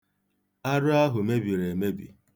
Aro ahụ mebiri emebi.